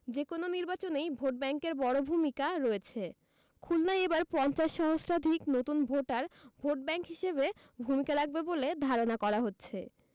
যেকোনো নির্বাচনেই ভোটব্যাংকের বড় ভূমিকা রয়েছে খুলনায় এবার ৫০ সহস্রাধিক নতুন ভোটার ভোটব্যাংক হিসেবে ভূমিকা রাখবে বলে ধারণা করা হচ্ছে